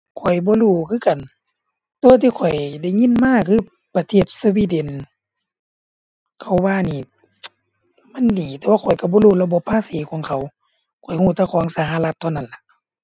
ข้อยบ่รู้คือกัน แต่ที่ข้อยได้ยินมาคือประเทศสวีเดน เขาว่านี่ มันดี แต่ว่าข้อยก็บ่รู้ระบบภาษีของเขา ข้อยก็แต่ของสหรัฐเท่านั้นล่ะ